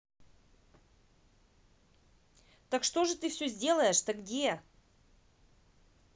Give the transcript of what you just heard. так что же ты все сделаешь так где